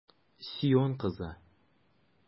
Сион кызы!